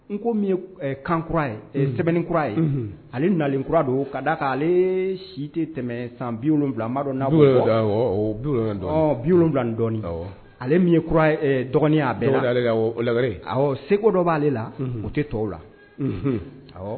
N ko kankura ye sɛbɛn kura ye ale nalen kura don ka da' ale si tɛmɛ san bi madɔ ale min kura dɔgɔnin bɛ la seguko dɔ b' ale la u tɛ tɔw la